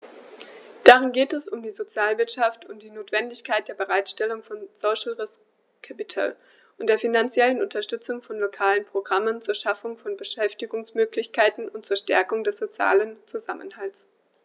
Darin geht es um die Sozialwirtschaft und die Notwendigkeit der Bereitstellung von "social risk capital" und der finanziellen Unterstützung von lokalen Programmen zur Schaffung von Beschäftigungsmöglichkeiten und zur Stärkung des sozialen Zusammenhalts.